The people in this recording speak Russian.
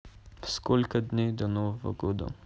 сколько дней до нового года